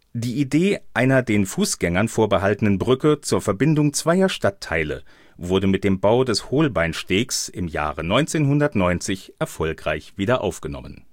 Die Idee einer den Fußgängern vorbehaltenen Brücke zur Verbindung zweier Stadtteile wurde mit dem Bau des Holbeinstegs im Jahre 1990 erfolgreich wiederaufgenommen